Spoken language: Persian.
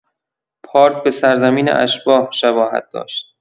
پارک به سرزمین اشباح شباهت داشت.